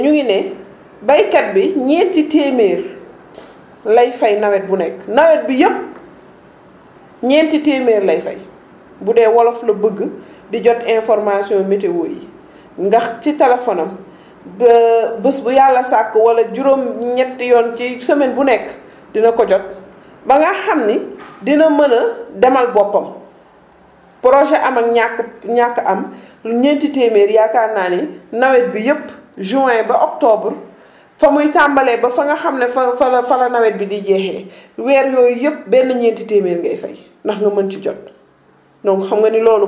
moo tax tey boo gisee ñu ngi ne béykat bi ñeenti téeméer lay fay nawet bu nekk nawet bi yëpp ñeenti téeméer lay fay bu dee wolof la bëgg di jot information météo yi ndax ci téléphone am bés bu yàlla sakk wala juróom-ñetti yoon ci semaine bu nekk dina ko jot ba nga xam ni dina mën a demal boppam projet am ak ñàkk a am ñeenti téeméer yaakaar naa ni nawet bi yëpp juin ba octobre fa muy tàmbalee ba fa nga xam ne fa fa la fa la nawet bi di jeexee weer yooyu yëpp benn ñeenti téeméer ngay fay ndax nga mën ci jot